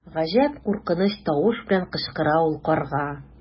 Гаҗәп куркыныч тавыш белән кычкыра ул карга.